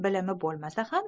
bilimi bo'lmasa ham